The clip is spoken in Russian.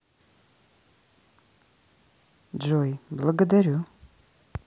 джой благодарю